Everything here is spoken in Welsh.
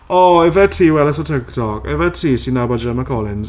O ife ti yw Ellis o TikTok? Ife ti sy'n nabod Gemma Collins?